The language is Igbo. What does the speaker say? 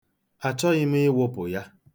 Achọghị m ịwụpụ ya.